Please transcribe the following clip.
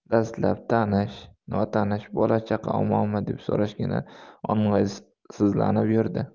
dastlab tanish notanishlar bola chaqa omonmi deb so'rashganida o'ng'aysizlanib yurdi